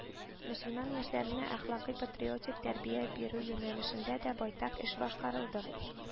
Мөселман яшьләренә әхлакый-патриотик тәрбия бирү юнәлешендә дә байтак эш башкарылды